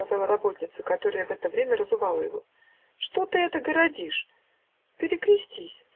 -- сказала работница, которая в это время разувала его, -- что ты это городишь? Перекрестись!